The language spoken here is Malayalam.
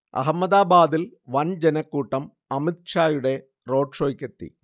അഹമ്മദാബാദിൽ വൻ ജനക്കൂട്ടം അമിത്ഷായുടെ റോഡ് ഷോയ്ക്കെത്തി